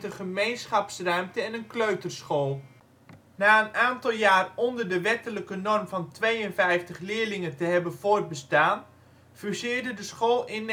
gemeenschapsruimte en een kleuterschool. Na een aantal jaar onder de wettelijke norm van 52 leerlingen te hebben voortbestaan, fuseerde de school in